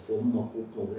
Fo ma ko kun wɛrɛ